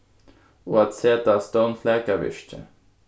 og at seta á stovn flakavirki